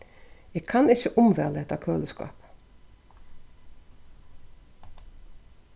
eg kann ikki umvæla hetta køliskápið